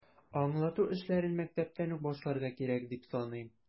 Аңлату эшләрен мәктәптән үк башларга кирәк, дип саныйм.